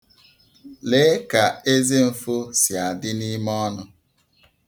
Lee ka ezemfo sị adị n'ime ọnụ.